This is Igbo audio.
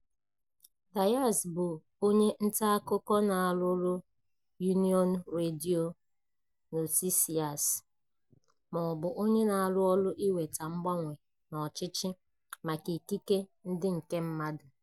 [Díaz] bụ onye nta akụkọ na-arụrụ Unión Radio Noticias ma ọ bụ onye na-arụ ọrụ iweta mgbanwe n'ọchịchị maka ikike ndị nke mmadụ.